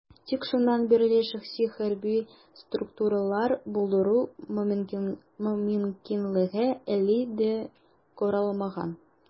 Тик шуннан бирле шәхси хәрби структуралар булдыру мөмкинлеге әле дә каралмаган.